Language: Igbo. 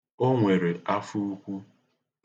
o nwere afọ ukwu